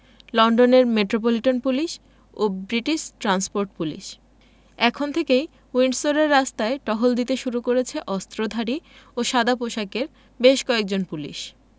লন্ডনের metropolitan police ও British transport police এখন থেকেই উইন্ডসরের রাস্তায় টহল দিতে শুরু করেছে অস্ত্রধারী ও সাদাপোশাকের বেশ কয়েকজন পুলিশ